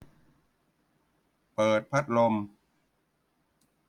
เปิดพัดลม